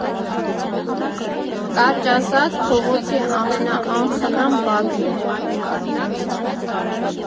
Կարճ ասած՝ փողոցի ամենաանխնամ բակն էր։